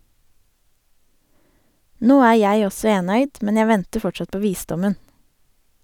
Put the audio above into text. Nå er jeg også enøyd, men jeg venter fortsatt på visdommen.